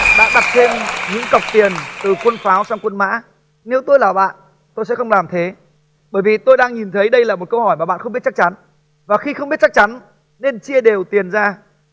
thêm những cọc tiền từ quân pháo sang quân mã nếu tôi là bạn tôi sẽ không làm thế bởi vì tôi đang nhìn thấy đây là một câu hỏi mà bạn không biết chắc chắn và khi không biết chắc chắn nên chia đều tiền ra